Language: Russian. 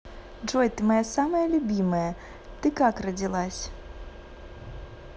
джой ты моя самая любимая ты как родилась